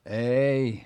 ei